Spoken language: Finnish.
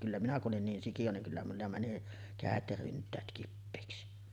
kyllä minä kun olin niin sikiö niin kyllä minulla meni kädet ja ryntäät kipeiksi